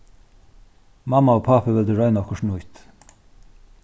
mamma og pápi vildu royna okkurt nýtt